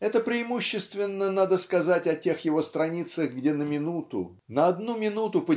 Это преимущественно надо сказать о тех его страницах где на минуту на одну минуту